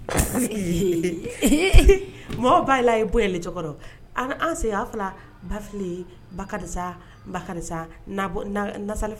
Mɔgɔ b' an fila bafi ba ba karisasali